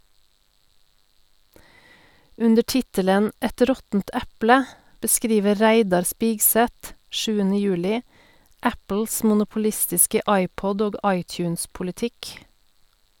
Under tittelen "Et råttent eple" beskriver Reidar Spigseth 7. juli Apples monopolistiske iPod- og iTunes-politikk.